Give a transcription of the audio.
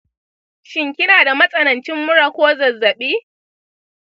shin kina da matsanancin mura ko zazzabi?